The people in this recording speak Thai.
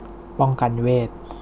ป้องกันเวท